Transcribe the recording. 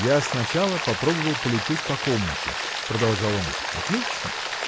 — Я сначала попробовал полететь по комнате, — продолжал он, — отлично!